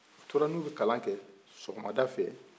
o tora n'u bɛ kalan kɛ sɔgɔmada fɛ